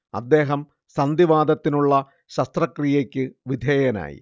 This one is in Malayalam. അദ്ദേഹം സന്ധിവാതത്തിനുള്ള ശസ്ത്രക്രിയക്ക് വിധേയനായി